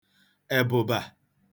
ẹ̀bụ̀bà